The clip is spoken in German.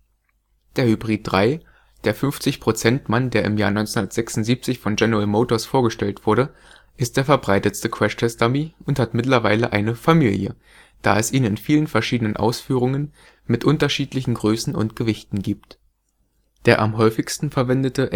Der Hybrid III, der „ 50-Prozent-Mann “, der im Jahr 1976 von General Motors vorgestellt wurde, ist der verbreitetste Crashtest-Dummy und hat mittlerweile eine „ Familie “, da es ihn in vielen verschiedenen Ausführungen mit unterschiedlichen Größen und Gewichten gibt. Der am häufigsten verwendete